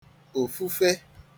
òfufe